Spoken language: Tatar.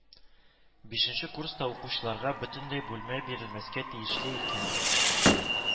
Бишенче курста укучыларга бөтенләй бүлмә бирелмәскә тиешле икән